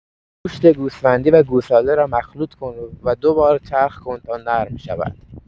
گوشت گوسفندی و گوساله را مخلوط‌کن و دو بار چرخ کن تا نرم شود.